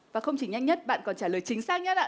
và không chỉ nhanh nhất bạn còn trả lời chính xác nhất ạ